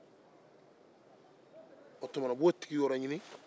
o tuma na u b'o tigi yɔrɔ ɲini